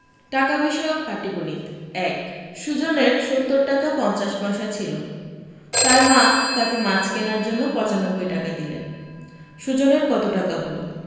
টাকা বিষয়ক পাটিগনিত ১ সুজনের ৭০ টাকা ৫০ পয়সা ছিল তার মা তাকে মাছ কেনার জন্য ৯৫ টাকা দিলেন সুজনের কত টাকা হলো